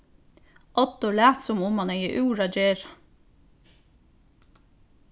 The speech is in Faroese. oddur læt sum um hann hevði úr at gera